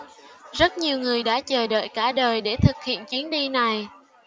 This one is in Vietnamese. rất nhiều người đã chờ đợi cả đời để thực hiện chuyến đi này